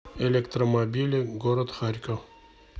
электромобили город харьков